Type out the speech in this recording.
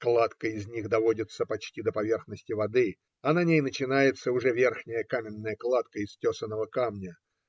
Кладка из них доводится почти до поверхности воды, а на ней начинается уже верхняя каменная кладка из тесаного камня.